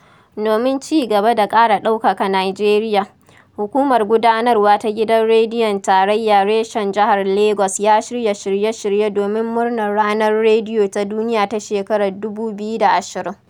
Domin ci gaba da ƙara ɗaukaka Nijeriya, Hukumar Gudanarwa Ta Gidan Rediyon Tarayya reshen Jihar Lagos ya shirya shiye-shirye domin murnar Ranar Rediyo ta Duniya ta shekarar 2020.